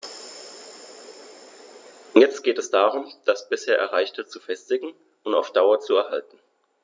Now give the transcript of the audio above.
Jetzt geht es darum, das bisher Erreichte zu festigen und auf Dauer zu erhalten.